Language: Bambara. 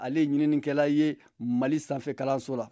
ale ye ɲininikɛla ye mali sanfɛkalanso la